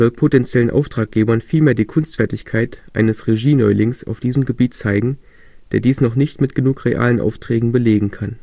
potenziellen Auftraggebern vielmehr die Kunstfertigkeit eines Regie-Neulings auf diesem Gebiet zeigen, der dies noch nicht mit genug realen Aufträgen belegen kann